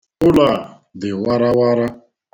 Ụlọ a dị warawara.